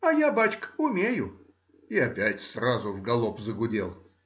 — А я, бачка, умею,— и опять сразу в галоп загудел.